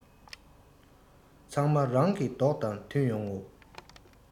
ཚང མ རང གི མདོག དང མཐུན ཡོང ངོ